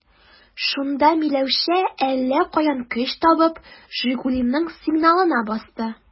Шунда Миләүшә, әллә каян көч табып, «Жигули»ның сигналына басты.